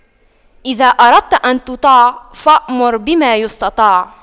إذا أردت أن تطاع فأمر بما يستطاع